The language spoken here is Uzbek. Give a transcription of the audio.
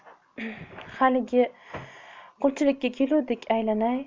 biz haligi qulchilikka keluvdik aylanay